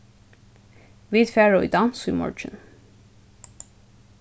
vit fara í dans í morgin